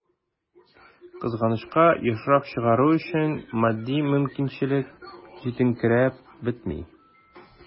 Кызганычка, ешрак чыгару өчен матди мөмкинчелек җитенкерәп бетми.